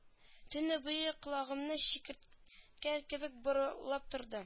Төне буе колагымны чикерткә кебек бораулап торды